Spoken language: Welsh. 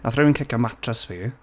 Wnaeth rywun cicio matres fi.